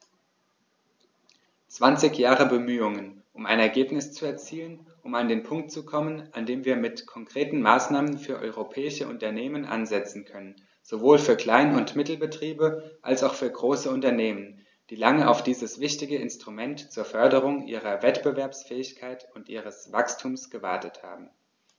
Zwanzig Jahre Bemühungen, um ein Ergebnis zu erzielen, um an den Punkt zu kommen, an dem wir mit konkreten Maßnahmen für europäische Unternehmen ansetzen können, sowohl für Klein- und Mittelbetriebe als auch für große Unternehmen, die lange auf dieses wichtige Instrument zur Förderung ihrer Wettbewerbsfähigkeit und ihres Wachstums gewartet haben.